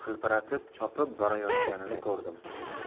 hilpiratib chopib borayotganini ko'rdim